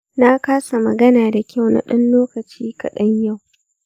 na kasa magana da kyau na dan lokaci kaɗan yau.